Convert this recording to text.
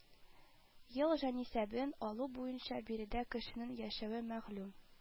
Ел җанисәбен алу буенча биредә кешенең яшәве мәгълүм